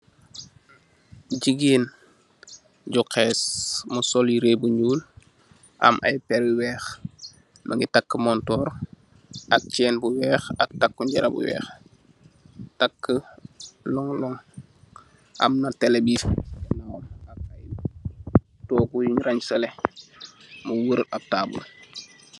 Jegeen, ju khess mu sol yire bu noul am ay perr yu weex. Mungi takk montor ak Chen bu weex ak taku njara bu weex, takk long-long. Am na tele biy feny ci ganawam, ak ay toogu yuny rangseleh mu wor ab tabul.